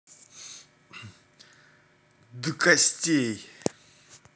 до костей